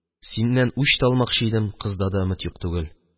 Синнән үч тә алмакчы идем, кызда да өмет юк түгел.